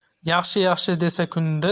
yaxshi yaxshi desa kunda